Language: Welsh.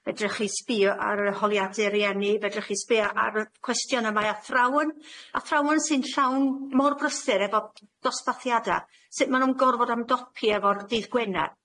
Fedrwch chi sbio ar y holiadur rieni, fedrwch chi sbio ar y cwestiynna' mae athrawon, athrawon sy'n llawn mor brysur efo dosbathiada, sut ma' nw'n gorfod ymdopi efo'r dydd Gwenar